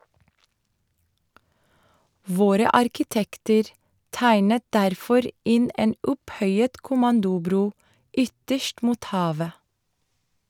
Våre arkitekter tegnet derfor inn en opphøyet "kommandobro" ytterst mot havet.